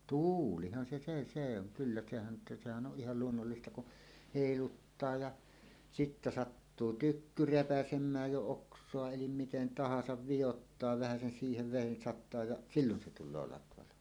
tuulihan se se se on kyllä sehän nyt sehän on ihan luonnollista kun heiluttaa ja sitten sattuu tykky repäisemään jo oksaa eli miten tahansa vioittaa vähäsen siihen veden sataa ja silloin se tulee latvalaho